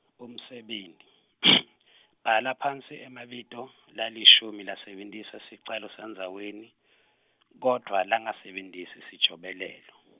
umsebenti bhala phasi emabito, lalishumi lasebentisa sicalo sandzaweni, kodvwa, langasisebentisi sijobelelo.